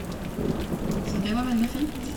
Så det var veldig fint.